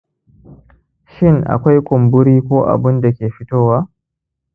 shin akwai kumburi ko abunda ke fitowa